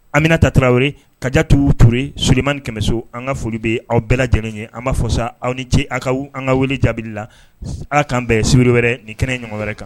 Anmina ta tarawele ka jatwure sodilimani kɛmɛso an ka foli bɛ aw bɛɛ lajɛlen ye an b'a fɔ sa aw ni ce aw ka an ka wuli jaabi la ala k'an bɛn sbi wɛrɛ nin kɛnɛ ɲɔgɔn wɛrɛ kan